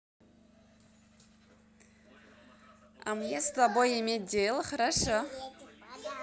а мне с тобой иметь дело хорошо